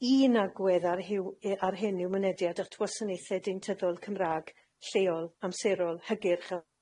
Un agwedd ar hiw- yy ar hyn yw mynediad at wasanaethe deintyddol Cymra'g lleol, amserol, hygyrch, a-